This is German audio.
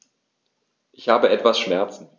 Ich habe etwas Schmerzen.